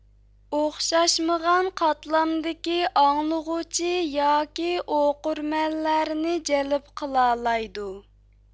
ئوخشاشمىغان قاتلامدىكى ئاڭلىغۇچى ياكى ئوقۇرمەنلەرنى جەلپ قىلالايدۇ